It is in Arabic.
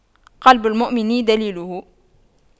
قلب المؤمن دليله